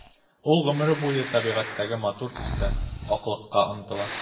Ул гомере буе табигатьтәге матур төскә— аклыкка омтыла.